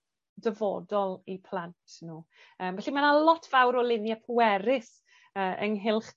dyfodol 'u plant nw. Yym felly ma' 'na lot fawr o lunie pwerus yy ynghylch